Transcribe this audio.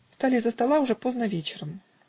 Встали из-за стола уже поздно вечером.